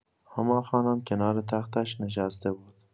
هما خانم کنار تختش نشسته بود.